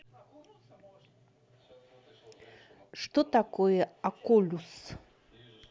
что такое окулюс